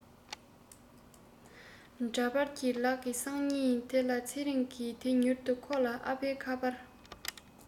འདྲ པར གྱི ལག གི སང ཉིན དེ ལ ཚེ རིང གི དེ མྱུར ཁོ ལ ཨ ཕའི ཁ པར